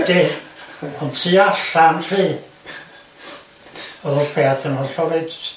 Wedyn on' tu allan 'lly o'dd y peth yn hollol